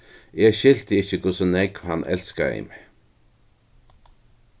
eg skilti ikki hvussu nógv hann elskaði meg